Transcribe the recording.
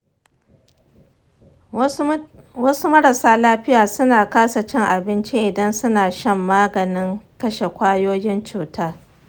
wasu marasa lafiya suna kasa cin abinci idan suna shan maganin kashe kwayoyin cuta.